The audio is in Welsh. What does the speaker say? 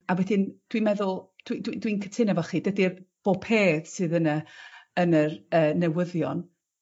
A wedyn dwi'n meddwl dwi dwi dwi'n cytuno efo chi dydi bob peth sydd yn y yn yr yy newyddion